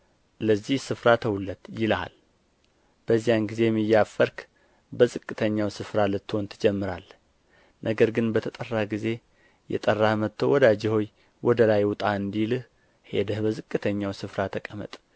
ለዚህ ስፍራ ተውለት ይልሃል በዚያን ጊዜም እያፈርህ በዝቅተኛው ስፍራ ልትሆን ትጀምራለህ ነገር ግን በተጠራህ ጊዜ የጠራህ መጥቶ ወዳጄ ሆይ ወደ ላይ ውጣ እንዲልህ ሄደህ በዝቅተኛው ስፍራ ተቀመጥ